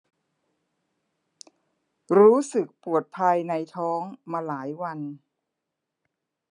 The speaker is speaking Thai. รู้สึกปวดภายในท้องมาหลายวัน